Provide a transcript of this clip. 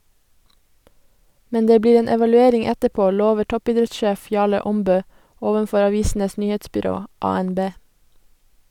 Men det blir en evaluering etterpå, lover toppidrettssjef Jarle Aambø ovenfor Avisenes Nyhetsbyrå (ANB).